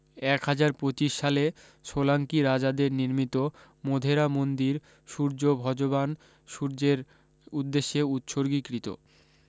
এক হাজার পঁচিশ সালে সোলাঙ্কি রাজাদের নির্মিত মোধেরা মন্দির সূর্য ভজবান সূর্যের উদ্দেশ্যে উৎসর্গীকৃত